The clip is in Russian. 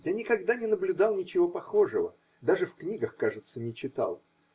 я никогда не наблюдал ничего похожего, даже в книгах, кажется, не читал.